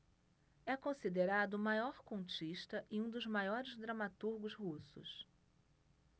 é considerado o maior contista e um dos maiores dramaturgos russos